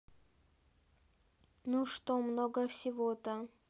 ну что много всего то